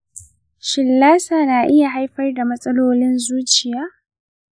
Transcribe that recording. shin lassa na iya haifar da matsalolin zuciya?